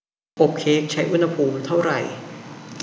อบเค้กใช้อุณหภูมิเท่าไหร่